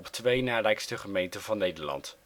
twee na rijkste gemeente van Nederland